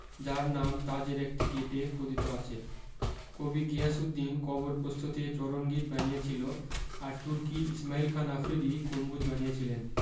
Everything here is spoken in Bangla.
যার নাম তাজের একটি গেটে খোদিত আছে কবি গিয়াসুদ্দিন কবর প্রস্থতে চরনগীত বানিয়েছিলেন আর তুর্কির ইসমাইল খান আফ্রিদি গম্বুজ বানিয়েছিলেন